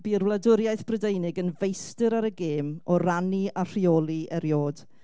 Bu'r Wladwriaeth Brydeinig yn feistr ar y gêm o rhannu a rheoli erioed,